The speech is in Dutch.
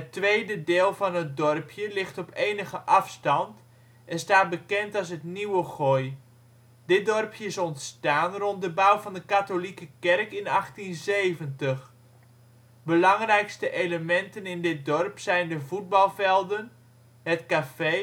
tweede deel van het dorpje ligt op enige afstand en staat bekend als het Nieuwe Goy. Dit dorpje is ontstaan rond de bouw van de katholieke kerk in 1870. Belangrijkste elementen in dit dorp zijn de voetbalvelden, het café, een